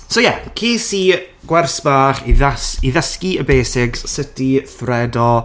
So yeah, ces i gwers bach i ddys- i ddysgu y basics. Sut i thredo...